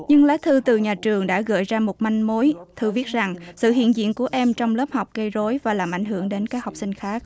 nhưng lá thư từ nhà trường đã gợi ra một manh mối thư viết rằng sự hiện diện của em trong lớp học gây rối và làm ảnh hưởng đến các học sinh khác